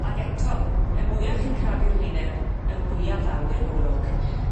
Ag eto y mwya chi'n crafu'r wyneb y mwya ddaw i'r golwg.